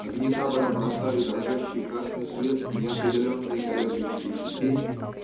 огни табора бросали дрожащий красный свет и неопределенные колеблющиеся тени